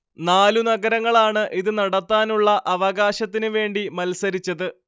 നാല് നഗരങ്ങളാണ് ഇത് നടത്താനുള്ള അവകാശത്തിന് വേണ്ടി മത്സരിച്ചത്